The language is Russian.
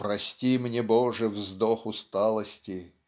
Прости мне, Боже, вздох усталости!